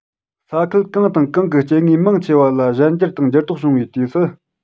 ས ཁུལ གང དང གང གི སྐྱེ དངོས མང ཆེ བ ལ གཞན འགྱུར དང འགྱུར ལྡོག བྱུང བའི དུས སུ